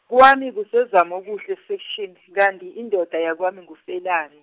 kwami kuseZamokuhle Section, kanti indoda yakwami, nguFelani.